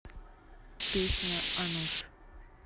песня anush